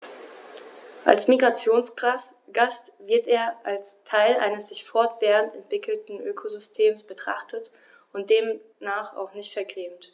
Als Migrationsgast wird er als Teil eines sich fortwährend entwickelnden Ökosystems betrachtet und demnach auch nicht vergrämt.